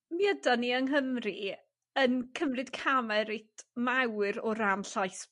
Mi ydan ni yng Nghymru yn cymryd camau reit mawr o ran llais